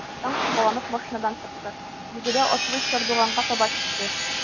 Капитан кабаланып машинадан чыкты, йөгерә-атлый чардуганга таба китте.